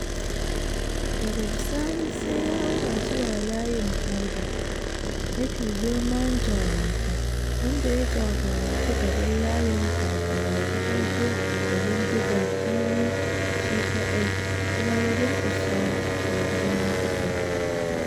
Daga bisani sai ya haura zuwa layin harbi tare "mafi girma jarumta" wanda ya jagorancin gaban layin kafin ya fakaito da bindigar -fili shi kadai kuma ya durkusa runduna uku.